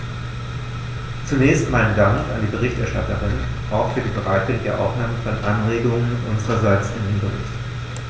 Zunächst meinen Dank an die Berichterstatterin, auch für die bereitwillige Aufnahme von Anregungen unsererseits in den Bericht.